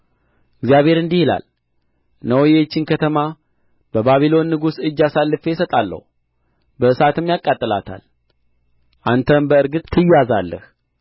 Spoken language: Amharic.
እግዚአብሔር እንዲህ ይላል ሂድ ለይሁዳም ንጉሥ ለሴዴቅያስ ተናገር እንዲህም በለው እግዚአብሔር እንዲህ ይላል እነሆ ይህችን ከተማ በባቢሎን ንጉሥ እጅ አሳልፌ እሰጣለሁ በእሳትም ያቃጥላታል አንተም በእርግጥ ትያዛለህ